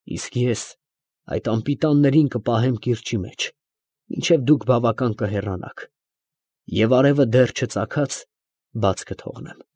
Իսկ ես այդ անպիտաններին կպահեմ կիրճի մեջ, մինչև դուք բավական կհեռանաք, և արևը դեռ չծագած, բաց կթողնեմ։